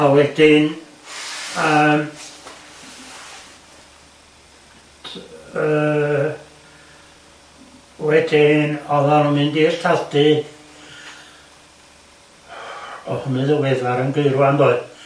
A wedyn yym - yy wedyn oddan n'w'n mynd i'r lladd-dy o'dd hwnnw'n ddiweddar yn Gaerwan doedd?